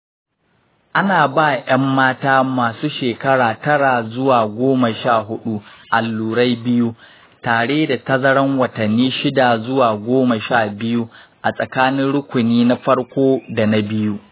ana ba ‘yan mata masu shekara tara zuwa goma sha huɗu allurai biyu, tare da tazara na watanni shida zuwa goma sha biyu a tsakanin rukuni na farko da na biyu.